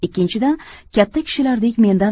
ikkinchidan katta kishilardek mendan